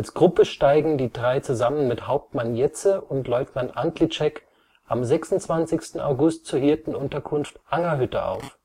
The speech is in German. Gruppe stiegen die drei zusammen mit Hauptmann Jetze und Leutnant Antlischek am 26. August zur Hirtenunterkunft Angerhütte auf